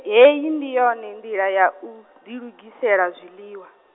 hei ndi yone ndila ya u , ḓilugisela zwiḽiwa.